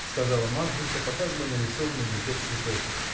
— сказала Марфинька, показывая нарисованный букет цветов.